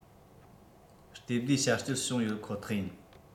ལྟོས ཟླའི བྱ སྤྱོད བྱུང ཡོད ཁོ ཐག ཡིན